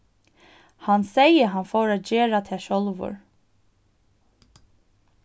hann segði hann fór at gera tað sjálvur